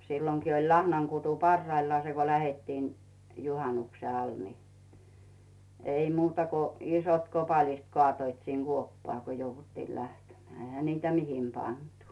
silloinkin oli lahnankutu parhaimmillaan se kun lähdettiin juhannuksena alla niin ei muuta kuin isot kopalliset kaatoivat sinne kuoppaan kun jouduttiin lähtemään eihän niitä mihin pantu